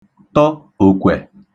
tə̣ òkwẹ̀